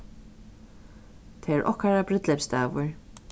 tað er okkara brúdleypsdagur